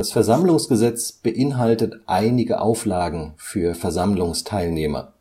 Versammlungsgesetz beinhaltet einige Auflagen für Versammlungsteilnehmer